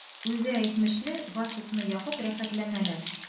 Үзе әйтмешли, газ-утны ягып “рәхәтләнәләр”.